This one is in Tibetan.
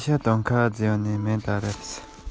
བསྟུན ནས རྒད པོ སྨ ར ཅན དེས